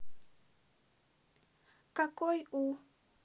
какой у